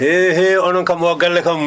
hehe onon kam oo galle kam